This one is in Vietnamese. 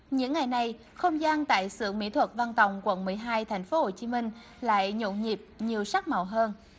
những ngày này không gian tại xưởng mỹ thuật văn tòng quận mười hai thành phố hồ chí minh lại nhộn nhịp nhiều sắc màu hơn